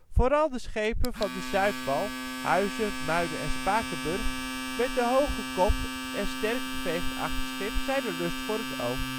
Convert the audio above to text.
Vooral de schepen van de Zuidwal (Huizen, Muiden, Spakenburg) met de hoge kop en sterk geveegd achterschip zijn een lust voor het oog